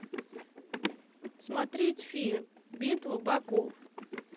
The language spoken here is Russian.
смотреть фильм битва богов